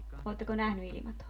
oletteko nähnyt iilimatoa